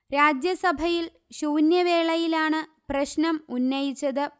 രാജ്യസഭയിൽ ശൂന്യവേളയിലാണ് പ്രശ്നം ഉന്നയിച്ചത്